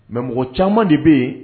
Mɛ mɔgɔ caman de bɛ yen